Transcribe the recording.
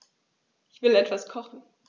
Ich will etwas kochen.